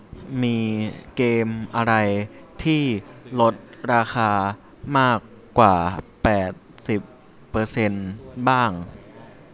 มีเกมอะไรที่ลดราคามากกว่าแปดสิบเปอร์เซนต์บ้าง